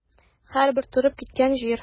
Һәрбер торып киткән җир.